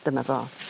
Dyma fo.